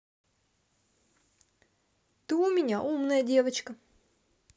ты у меня умная девочка